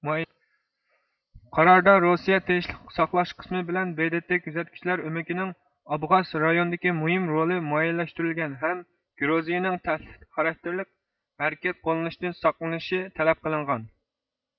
قاراردا روسىيە تىنچلىق ساقلاش قىسىمى بىلەن بې دې تې كۆزەتكۈچىلەر ئۆمىكىنىڭ ئابخاز رايونىدىكى مۇھىم رولى مۇئەييەنلەشتۈرۈلگەن ھەم گروزىيىنىڭ تەھدىت خاراكتېرلىك ھەرىكەت قوللىنىشتىن ساقلىنىشى تەلەپ قىلىنغان